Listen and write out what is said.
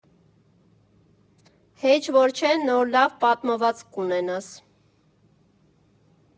Հեչ որ չէ՝ նոր լավ պատմվածք կունենաս։